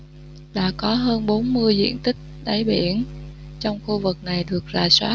đã có hơn bốn mươi diện tích đáy biển trong khu vực này được rà soát